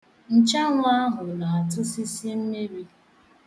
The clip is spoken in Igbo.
Nchanwụ ahụ na-atụsịsị mmiri.